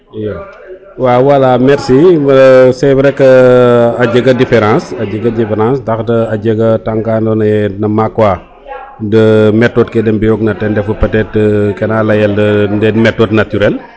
iyo waaw wala merci c' est vrai que a jega difference a jega difference ndax a jaga tang ka ando naye no maak wa methode ke de mbiyo gina ten refu peut etre ke na leyel methode naturel